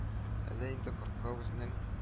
Әллә инде кортка үзенең